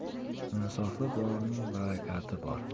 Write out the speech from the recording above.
insofi borning barakati bor